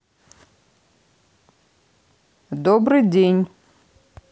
добрый день